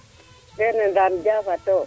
keene Ndane Diafate to